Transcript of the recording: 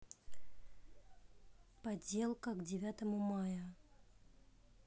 поделка к девятому мая